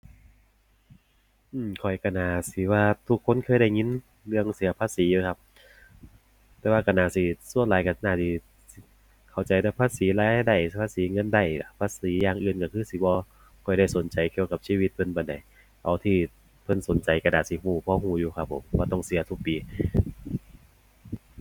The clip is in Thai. อืม ข้อยก็น่าสิว่าทุกคนเคยได้ยินเรื่องเสียภาษีอยู่แล้วครับ แต่ว่าก็น่าสิ ส่วนหลายก็น่าสิ เข้าใจแต่ภาษีรายได้ ภาษีเงินได้ ภาษีอย่างอื่นก็คือสิบ่ค่อยได้สนใจเกี่ยวกับชีวิตเพิ่นปานใด เอาที่เพิ่นสนใจก็น่าสิก็ พอก็อยู่ครับผม ว่าต้องเสียทุกปี